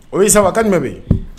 O ye saba ka mɛn bɛ